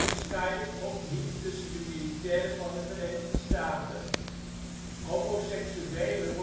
scheiding ophielf tussen de militairen van de Verenigde Staten. Homoseksuelen